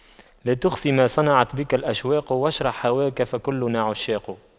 لا تخف ما صنعت بك الأشواق واشرح هواك فكلنا عشاق